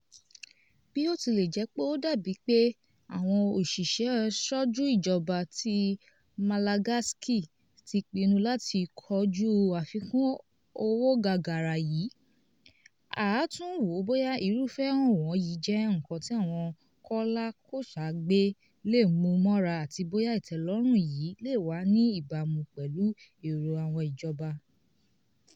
Bí ó tilẹ̀ jẹ́ pé ó dàbí pé àwọn òṣìṣẹ́-ṣojú ìjọba ti Malagasy ti pinnu láti kojú afikún owó gagara yìí, aá tún wóó bóyá irúfẹ́ ọ̀wọ́n yìí jẹ́ nǹkan tí àwọn kòlà-kòṣagbe lè mú mọ́ra àti bóyá ìtẹ́lọ́rùn yìí lè wà ní ìbámú pẹ̀lú èrò àwọn ìjọba.